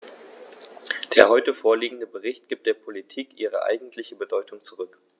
Der heute vorliegende Bericht gibt der Politik ihre eigentliche Bedeutung zurück.